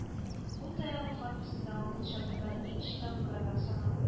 Кул таягы формасындагы кулчатырлар иң чыдамлылардан санала